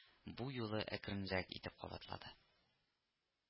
Бу юлы әкеренрәк итеп кабатлады: